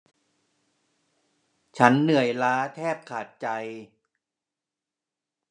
ฉันเหนื่อยล้าแทบขาดใจ